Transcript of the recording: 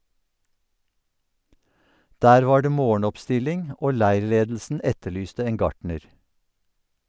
Der var det morgenoppstilling, og leirledelsen etterlyste en gartner.